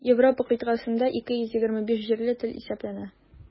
Европа кыйтгасында 225 җирле тел исәпләнә.